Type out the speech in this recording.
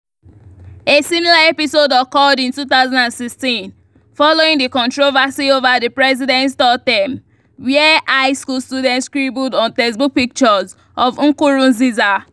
A similar episode occurred in 2016, following the controversy over the president’s third term, where high school students scribbled on textbook pictures of Nkurunziza.